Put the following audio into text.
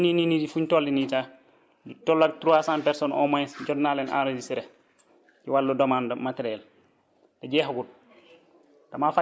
te nii nii nii fuñ toll nii sax lu tolloog trois cent personnes au mons jot naa leen enregistrer ci wàllu demande matériels te jeexagut